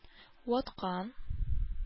Ваткан